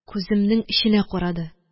Күземнең эченә карады